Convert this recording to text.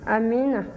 amiina